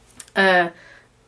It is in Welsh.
Y...